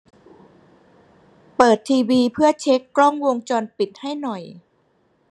เปิดทีวีเพื่อเช็คกล้องวงจรปิดให้หน่อย